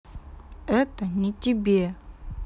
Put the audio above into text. это не тебе